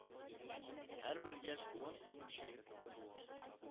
Һәрбер яшь буын үзенчәлекле